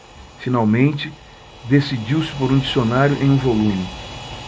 finalmente decidiu-se por um dicionário em um volume